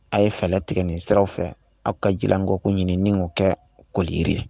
A' ye fɛlɛ tigɛ nin sira fɛ aw ka jilankɔko ɲinininin o kɛ koliirire ye